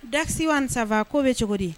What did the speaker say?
Dakisi wa saba k'o bɛ cogo di